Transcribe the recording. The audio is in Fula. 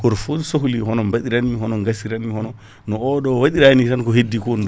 goto fo ne sohli hono baɗiranmi hono gassiranmi hono no oɗo waɗirani tan ko heddi ko